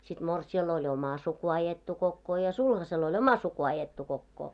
sitten morsiamella oli oma suku ajettu kokoon ja sulhasella oli oma suku ajettu kokoon